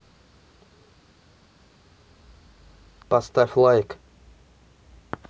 поставь лайк